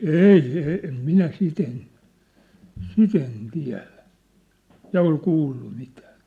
ei - en minä sitä en sitä en tiedä ja ole kuullut mitään että